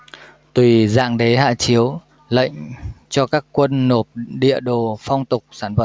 tùy dạng đế hạ chiếu lệnh cho các quận nộp địa đồ phong tục sản vật